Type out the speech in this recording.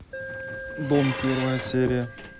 дом первая серия